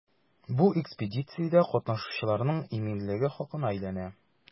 Бу экспедициядә катнашучыларның иминлеге хакына эшләнә.